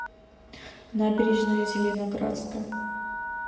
набережная зеленоградска